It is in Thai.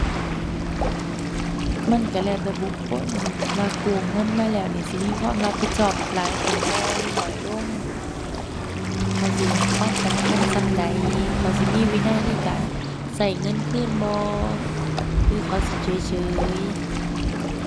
มันก็แล้วแต่บุคคล ว่ากู้เงินมาแล้วนี่สิมีความรับผิดชอบหลายขึ้นบ่หรือน้อยลง เขาสิให้ความสำคัญส่ำใด เขาสิมีวินัยในการก็เงินคืนบ่ หรือเขาสิเฉยเฉย